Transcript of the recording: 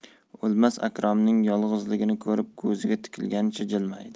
o'lmas akromning yolg'izligini ko'rib ko'ziga tikilganicha jilmaydi